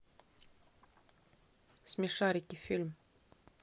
смешарики фильм